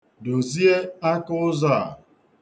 Dozie aka ụzọ a.